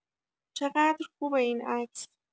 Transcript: چقدر خوبه این عکس